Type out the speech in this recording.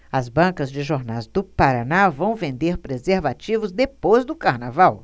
as bancas de jornais do paraná vão vender preservativos depois do carnaval